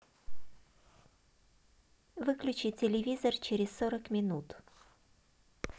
выключи телевизор через сорок минут